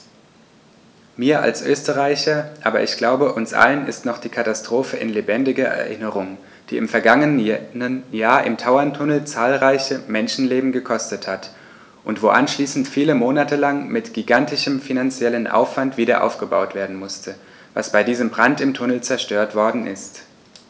Mir als Österreicher, aber ich glaube, uns allen ist noch die Katastrophe in lebendiger Erinnerung, die im vergangenen Jahr im Tauerntunnel zahlreiche Menschenleben gekostet hat und wo anschließend viele Monate lang mit gigantischem finanziellem Aufwand wiederaufgebaut werden musste, was bei diesem Brand im Tunnel zerstört worden ist.